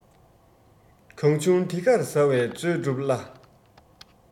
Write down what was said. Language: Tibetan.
གང བྱུང དེ གར ཟ བས རྩོལ སྒྲུབ སླ